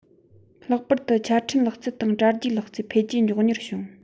ལྷག པར དུ ཆ འཕྲིན ལག རྩལ དང དྲ རྒྱའི ལག རྩལ འཕེལ རྒྱས མགྱོགས མྱུར བྱུང